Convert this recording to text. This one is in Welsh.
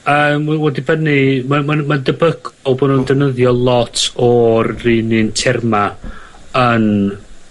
Yym wel ma'n dibynnu ma'n ma'n ma'n debygol bo' nw'n defnyddio lot o'r un un terma yn